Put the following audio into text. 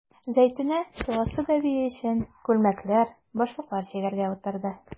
Зәйтүнә туасы бәбие өчен күлмәкләр, башлыклар чигәргә утырды.